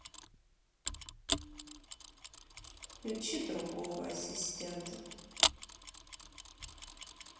включи другого ассистента